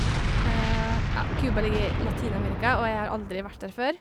Ja, Cuba ligger i Latin-Amerika, og jeg har aldri vært der før.